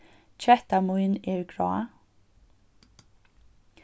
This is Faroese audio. ketta mín er grá